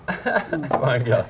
vannglass.